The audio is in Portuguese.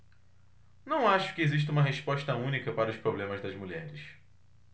não acho que exista uma resposta única para os problemas das mulheres